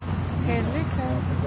Хәерле көн!